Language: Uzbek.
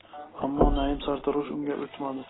ammo naim sartarosh unga o'tmadi